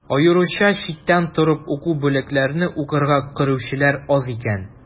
Аеруча читтән торып уку бүлекләренә укырга керүчеләр аз икән.